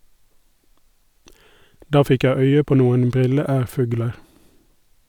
Da fikk jeg øye på noen brilleærfugler.